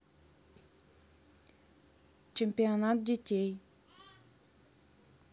чемпионат детей